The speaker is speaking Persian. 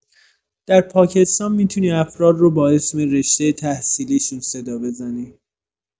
در پاکستان می‌تونی افراد رو به اسم رشته تحصیلیشون صدا بزنی.